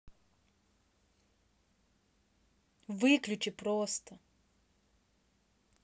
выключи просто